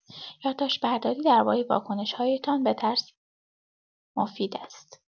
یادداشت‌برداری درباره واکنش‌هایتان به ترس مفید است.